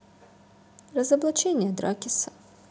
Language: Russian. разоблачение дракиса